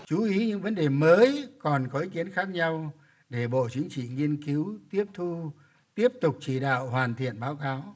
chú ý những vấn đề mới còn có ý kiến khác nhau để bộ chính trị nghiên cứu tiếp thu tiếp tục chỉ đạo hoàn thiện báo cáo